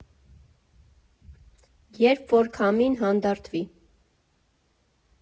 «Երբ որ քամին հանդարտվի…